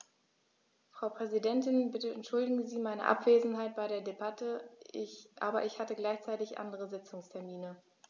Frau Präsidentin, bitte entschuldigen Sie meine Abwesenheit bei der Debatte, aber ich hatte gleichzeitig andere Sitzungstermine.